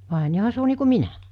vai niin johan se on niin kuin minä